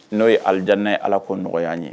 N'o ye alid n' ye ala ko nɔgɔya ye